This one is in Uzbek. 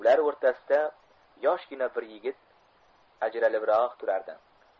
ular o'rtasida yoshgina bir yigit ajralibroq turardi